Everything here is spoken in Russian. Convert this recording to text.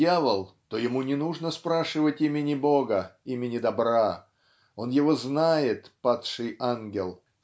дьявол, то ему не нужно спрашивать имени Бога, имени добра он его знает падший ангел